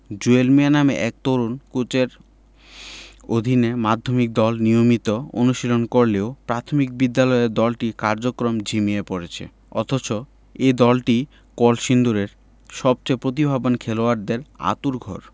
জুয়েল মিয়া নামের এক তরুণ কোচের অধীনে মাধ্যমিক দল নিয়মিত অনুশীলন করলেও প্রাথমিক বিদ্যালয়ের দলটির কার্যক্রম ঝিমিয়ে পড়েছে অথচ এই দলটিই কলসিন্দুরের সবচেয়ে প্রতিভাবান খেলোয়াড়দের আঁতুড়ঘর